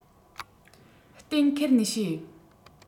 གཏན འཁེལ ནས བཤད